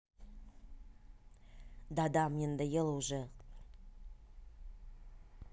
да да мне надоела уже